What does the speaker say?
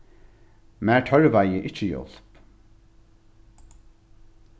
mær tørvaði ikki hjálp